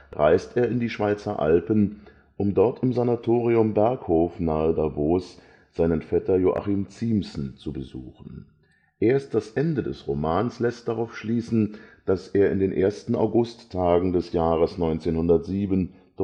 reist er in die Schweizer Alpen, um dort im Sanatorium Berghof nahe Davos seinen Vetter Joachim Ziemßen zu besuchen. Erst das Ende des Romans lässt darauf schließen, dass er in den ersten Augusttagen des Jahres 1907 dort